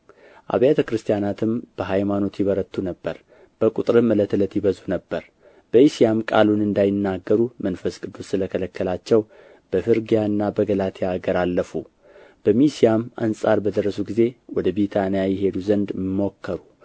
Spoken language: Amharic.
አብያተ ክርስቲያናትም በሃያማኖት ይበረቱ ነበር በቍጥርም ዕለት ዕለት ይበዙ ነበር በእስያም ቃሉን እንዳይናገሩ መንፈስ ቅዱስ ስለ ከለከላቸው በፍርግያና በገላትያ አገር አለፉ በሚስያም አንጻር በደረሱ ጊዜ ወደ ቢታንያ ይሄዱ ዘድን ሞከሩ